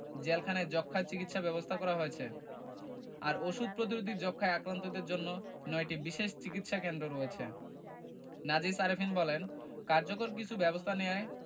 জেলখানায় যক্ষ্মার চিকিৎসা ব্যবস্থা করা হয়েছে আর ওষুধ প্রতিরোধী যক্ষ্মায় আক্রান্তদের জন্য ৯টি বিশেষ চিকিৎসাকেন্দ্র রয়েছে নাজিস আরেফিন বলেন কার্যকর কিছু ব্যবস্থা নেয়ায়